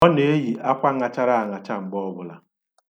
Ọ na-eyi akwa ṅachara aṅacha mgbe ọbụla.